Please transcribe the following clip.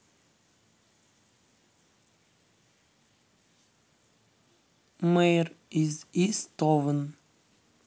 мейр из is town